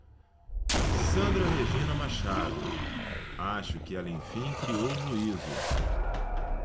sandra regina machado acho que ela enfim criou juízo